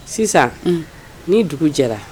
Sisan, un, ni dugu jɛra